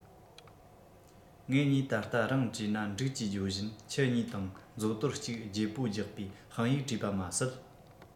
ངེད གཉིས ད ལྟ རང བྲིས ན འགྲིག ཅེས བརྗོད བཞིན ཁྱི གཉིས དང མཛོ དོར གཅིག བརྗེ པོ རྒྱག པའི དཔང ཡིག བྲིས པ མ ཟད